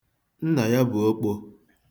Nna ya bụ okpo.